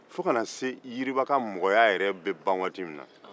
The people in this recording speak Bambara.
fo ka na se yiriba ka mɔgɔya yɛrɛ bɛ ban waati min na